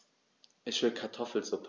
Ich will Kartoffelsuppe.